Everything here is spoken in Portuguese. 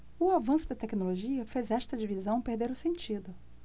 o avanço da tecnologia fez esta divisão perder o sentido